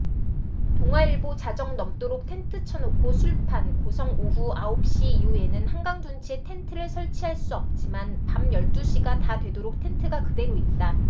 동아일보 자정 넘도록 텐트 쳐놓고 술판 고성오후 아홉 시 이후에는 한강 둔치에 텐트를 설치할 수 없지만 밤 열 두 시가 다 되도록 텐트가 그대로 있다